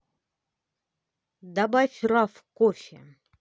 добавь раф кофе